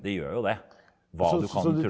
det gjør jo det hva du kan.